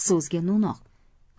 so'zga no'noq